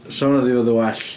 'Sa hwnna 'di bod yn well.